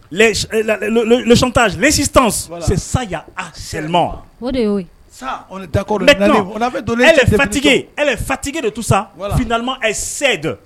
Les ch et la le le le chantage l'insistance c'est ça il y'a harcèlement o de y'o ye ça on n'est d'accord mais le on avait donné maintenant elle est fatigué elle est fatigué de tout ça voilà finalement elle cède